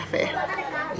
No gañcax fe